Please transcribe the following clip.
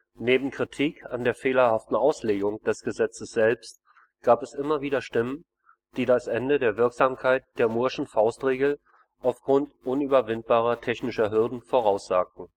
Neben Kritik an der fehlerhaften Auslegung des Gesetzes selbst gab es immer wieder Stimmen, die das Ende der Wirksamkeit der mooreschen Faustregel aufgrund unüberwindbarer technischer Hürden voraussagten